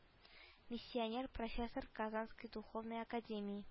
Миссионер профессор казанской духовной академии